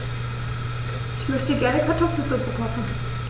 Ich möchte gerne Kartoffelsuppe kochen.